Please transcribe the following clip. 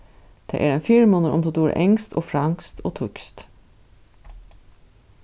tað er ein fyrimunur um tú dugir enskt og franskt og týskt